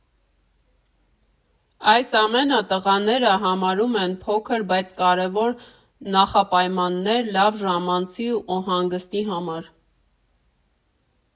Այս ամենը տղաները համարում են փոքր բայց կարևոր նախապայմաններ լավ ժամանցի ու հանգստի համար։